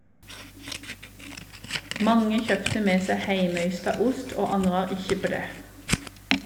Mange kjøpte med seg heimeysta ost, og angrar ikkje på det.